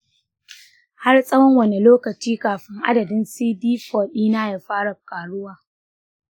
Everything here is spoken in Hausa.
har tsawon wane lokaci kafin adadin cd4 ɗina ya fara ƙaruwa?